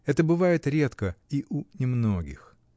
Это бывает редко и у немногих.